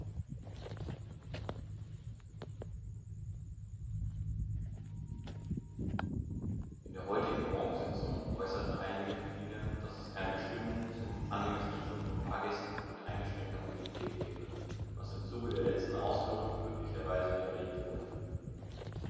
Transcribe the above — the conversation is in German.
In der heutigen Morgensitzung äußerten einige Mitglieder, dass es keine Bestimmung zum angemessenen Schutz von Fahrgästen mit eingeschränkter Mobilität gebe, was im Zuge der letzten Ausführungen glücklicherweise widerlegt wurde.